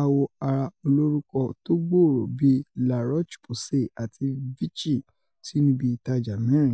awọ ara olorúkọ tógbòòrò bíi La Roch-Posay àti Vichy sínú ibi ìtajà mẹ́rin.